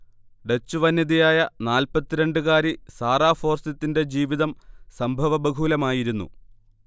Dutch വനിതയായ നാൽപ്പത്തിരണ്ട് കാരി സാറാ ഫോർസിത്തിന്റെ ജീവിതം സംഭവബഹുലമായിരുന്നു